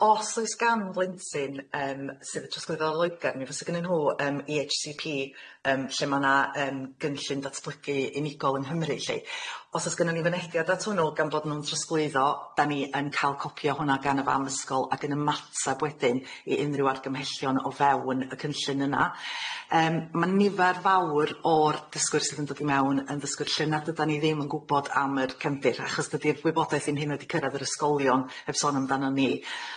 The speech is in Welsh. os oes gan blentyn yym sydd yn trosglwyddo o Loegr mi fysa gynnyn nhw yym Ee Haitch See Pee yym lle ma' na yym gynllun datblygu unigol yng Nghymru lly os o's gynnon ni fynediad at hwnnw gan bod nhw'n trosglwyddo 'dan ni yn ca'l copi o hwnna gan y fam ysgol ac yn ymatab wedyn i unrhyw argymhellion o fewn y cynllun yna yym ma' nifer fawr o'r dysgwyr sydd yn dod i mewn yn ddysgwyr lle nad ydan ni ddim yn gwbod am yr cefndir achos dydi'r gwybodaeth 'im hyd'n oed 'di cyrradd yr ysgolion heb sôn amdanon ni.